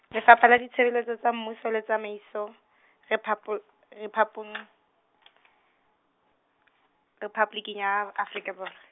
Lefapha la Ditshebeletso tsa Mmuso le Tsamaiso, Rephabol-, Rephapong-, Rephaboliking ya Afrika Borwa.